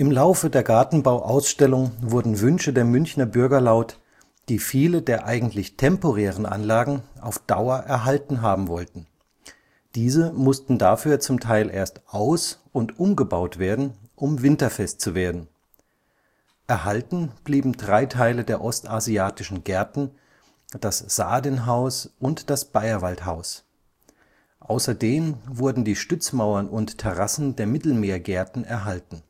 Laufe der Gartenbauausstellung wurden Wünsche der Münchner Bürger laut, die viele der eigentlich temporären Anlagen auf Dauer erhalten haben wollten. Diese mussten dafür zum Teil erst aus - und umgebaut werden, um winterfest zu werden. Erhalten blieben drei Teile der ostasiatischen Gärten, das Sardenhaus und das Bayerwaldhaus. Außerdem wurden die Stützmauern und Terrassen der Mittelmeergärten erhalten